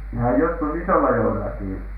nehän joskus isolla joellakin -